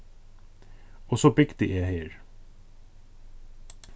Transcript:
og so bygdi eg her